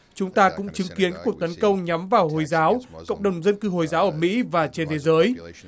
chúng ta cũng chứng kiến cuộc tấn công nhắm vào hồi giáo cộng đồng dân cư hồi giáo ở mỹ và trên thế giới